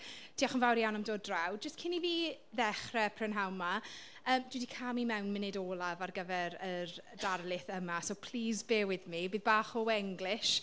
Diolch yn fawr iawn am dod draw. Jyst cyn i fi ddechrau prynhawn 'ma yym dwi 'di camu mewn munud olaf ar gyfer yr darlith yma so please bear with me. Bydd bach o Wenglish.